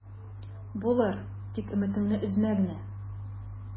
Булыр, тик өметеңне өзмә генә...